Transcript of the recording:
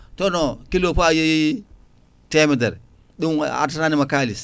tonne o kilo foof a yeeyi temedere ɗum a attanani nima kalis